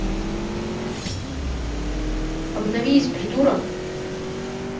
обновись придурок